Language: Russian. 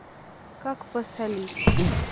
как посолить